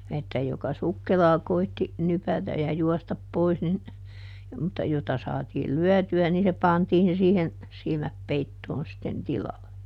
että joka sukkelaan koetti nypätä ja juosta pois niin mutta jota saatiin lyötyä niin se pantiin siihen silmät peittoon sitten tilalle